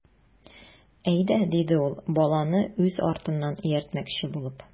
Әйдә,— диде ул, баланы үз артыннан ияртмөкче булып.